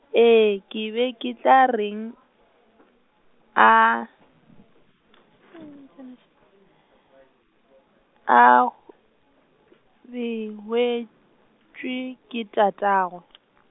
ee ke be ke tla reng, a a -g, wetšwe ke tatagwe .